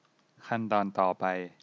ขั้นตอนต่อไป